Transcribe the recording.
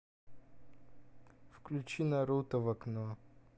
включи наруто в окко